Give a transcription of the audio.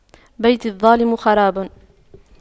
بيت الظالم خراب